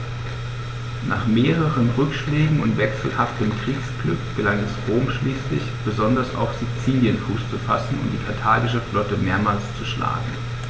Nach mehreren Rückschlägen und wechselhaftem Kriegsglück gelang es Rom schließlich, besonders auf Sizilien Fuß zu fassen und die karthagische Flotte mehrmals zu schlagen.